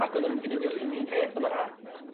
Ag o'dden nhw 'di myn' i 'neud yr un un peth am yr ha'.